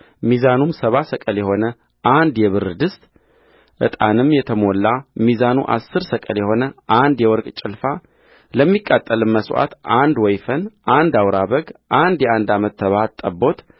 ሚዛኑም ሰባ ሰቅል የሆነ አንድ የብር ድስትዕጣንም የተሞላ ሚዛኑ አሥር ሰቅል የሆነ አንድ የወርቅ ጭልፋለሚቃጠልም መሥዋዕት አንድ ወይፈን አንድ አውራ በግ አንድ የአንድ ዓመት ተባት ጠቦት